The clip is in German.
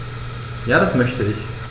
Ja, das möchte ich.